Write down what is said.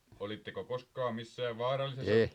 olitteko koskaan missään vaarallisessa